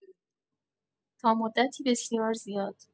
تا مدتی بسیار زیاد!